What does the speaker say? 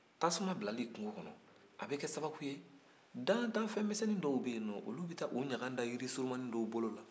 tasauma bilali kungo kɔnɔ a bɛ kɛ sababu ye dantanfɛnmisɛnnin dɔw bɛ ye olu bɛ taa u ɲaga da yirisurumannin dɔw bolo la